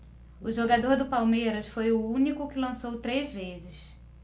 o jogador do palmeiras foi o único que lançou três vezes